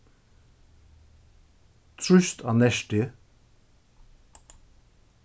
trýst á nertið